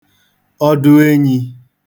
ọdụenyī